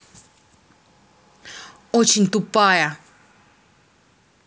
очень тупая